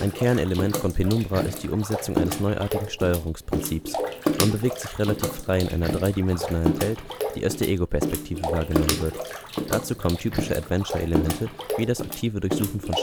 Kernelement von Penumbra ist die Umsetzung eines neuartigen Steuerungsprinzips. Man bewegt sich relativ frei in einer dreidimensionalen Welt, die aus der Egoperspektive wahrgenommen wird. Dazu kommen typische Adventure-Elemente wie das aktive Durchsuchen von